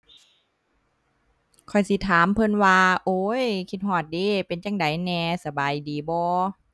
ข้อยสิถามเพิ่นว่า โอ้ย คิดฮอดเดะ เป็นจั่งใดแหน่ สบายดีบ่